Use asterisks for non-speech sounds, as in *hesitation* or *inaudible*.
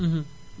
*hesitation* *hesitation*